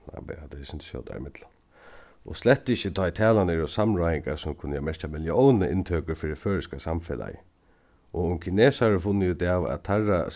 nei bíða hatta er eitt sindur skjótari ímillum og slett ikki tá ið talan er um samráðingar sum kunna merkja milliónainntøkur fyri føroyska samfelagið og um kinesarar funnu út av at teirra